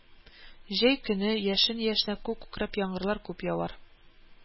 Җәй көне яшен яшьнәп, күк күкрәп яңгырлар күп явар